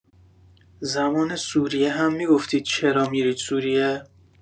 زمان سوریه هم می‌گفتید چرا می‌رید سوریه؟